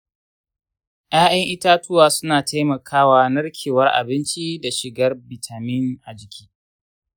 ya’yan itatuwa suna taimakawa narkewar abinci da shigar bitamin a jiki.